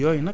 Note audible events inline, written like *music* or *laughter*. *hesitation* *hesitation*